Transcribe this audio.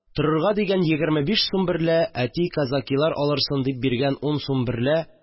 Торырга дигән 25 сум берлә, әти казакилар алырсың дип биргән 10 сум берлә